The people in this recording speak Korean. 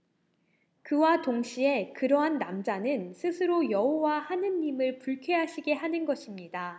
그와 동시에 그러한 남자는 스스로 여호와 하느님을 불쾌하시게 하는 것입니다